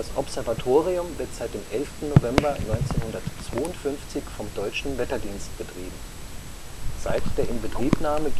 Observatorium wird seit dem 11. November 1952 vom Deutschen Wetterdienst betrieben. Seit der Inbetriebnahme